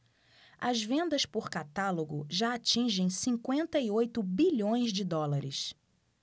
as vendas por catálogo já atingem cinquenta e oito bilhões de dólares